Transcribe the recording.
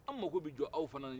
an mako bɛ jɔ aw fɛnɛ na